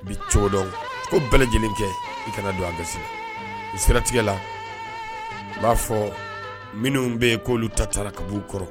Bi cogo dɔn ko bɛɛ lajɛlen kɛ kana don an gese seratigɛla u b'a fɔ minnu bɛ yen' oluolu ta taara kab kɔrɔ